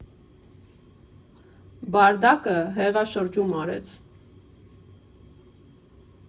«Բարդակը» հեղաշրջում արեց։